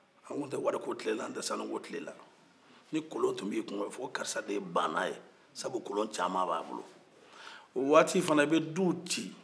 an tun tɛ wariko tile la an tɛ sanuko tile la ni kolon tun b'i kun o b'a fɔ ko karisa de ye baana ye o waati fana i bɛ duw ci